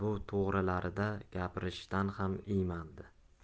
bu to'g'rilarda gapirishishdan ham iymanadi